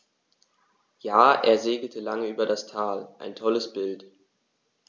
Ja, er segelte lange über das Tal. Ein tolles Bild!